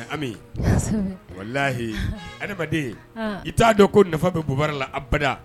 Lahiyiden i t'a dɔn ko nafa bɛ buba la